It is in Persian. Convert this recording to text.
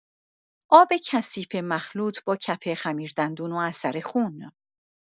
آب کثیف مخلوط با کف خمیردندان و اثر خون